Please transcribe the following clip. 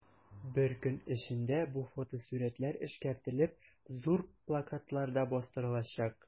Бер көн эчендә бу фотосурәтләр эшкәртелеп, зур плакатларда бастырылачак.